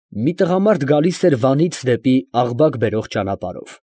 Մի տղամարդ գալիս էր Վանից դեպի Աղբակ բերող ճանապարհով։